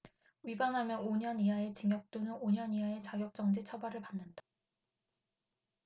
위반하면 오 년 이하의 징역 또는 오 년 이하의 자격정지 처벌을 받는다